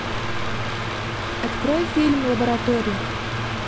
открой фильм лаборатория